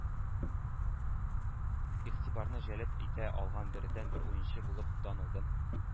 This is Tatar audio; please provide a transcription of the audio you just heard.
Игътибарны җәлеп итә алган бердәнбер уенчы булып танылды.